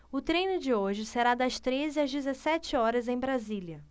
o treino de hoje será das treze às dezessete horas em brasília